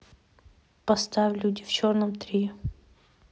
поставь люди в черном три